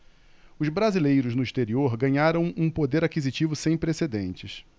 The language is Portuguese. os brasileiros no exterior ganharam um poder aquisitivo sem precedentes